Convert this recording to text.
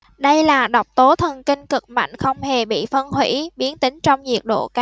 đây là độc tố thần kinh cực mạnh không hề bị phân hủy biến tính trong nhiệt độ cao